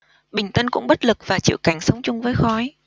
bình tân cũng bất lực và chịu cảnh sống chung với khói